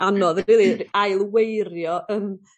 anodd ail weirio yym